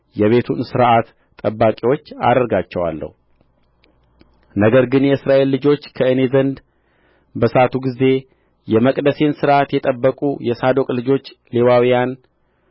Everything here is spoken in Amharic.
የቤቱን ሥርዓት ጠባቂዎች አደርጋቸዋለሁ ነገር ግን የእስራኤል ልጆች ከእኔ ዘንድ በሳቱ ጊዜ የመቅደሴን ሥርዓት የጠበቁ የሳዶቅ ልጆች ሌዋውያን